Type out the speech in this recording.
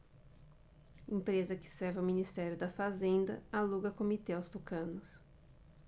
empresa que serve ao ministério da fazenda aluga comitê aos tucanos